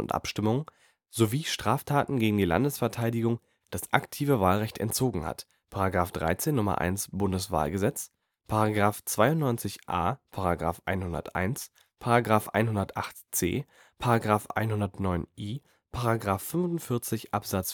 Abstimmungen sowie Straftaten gegen die Landesverteidigung das aktive Wahlrecht entzogen hat, § 13 Nr. 1 BWahlG, § 92a, § 101, § 108c, § 109i, § 45 Abs.